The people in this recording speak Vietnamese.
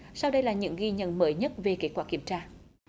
sau đây là những ghi nhận mới nhất về kết quả kiểm tra